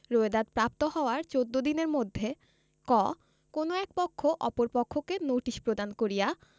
রোয়েদাদ প্রাপ্ত হওয়ার চৌদ্দ দিনের মধ্যে ক কোন এক পক্ষ অপর পক্ষকে নোটিশ প্রদান করিয়া